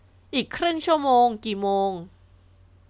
อีกครึ่งชั่วโมงกี่โมง